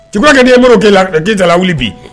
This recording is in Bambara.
Cɛkɔrɔba ka' ii' kɛ jija wuli bi